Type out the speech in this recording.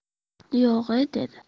yo'g'e dedi